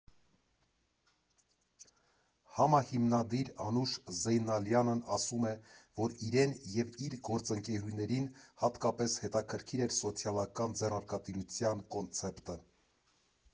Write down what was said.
Համահիմնադիր Անուշ Զեյնալյանն ասում է, որ իրեն և իր գործընկերուհիներին հատկապես հետաքրքիր էր սոցիալական ձեռնարկատիրության կոնցեպտը։